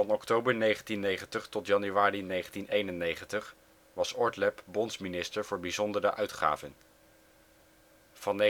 oktober 1990 tot januari 1991 was Ortleb bondsminister voor Bijzondere Uitgaven. Van